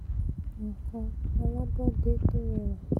Nǹkan alábọ́de tórẹwà.